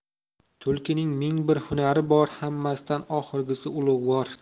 tulkining ming bir hunari bor hammasidan oxirgisi ulug'vor